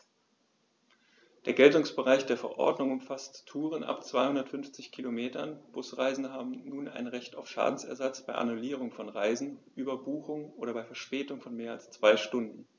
Der Geltungsbereich der Verordnung umfasst Touren ab 250 Kilometern, Busreisende haben nun ein Recht auf Schadensersatz bei Annullierung von Reisen, Überbuchung oder bei Verspätung von mehr als zwei Stunden.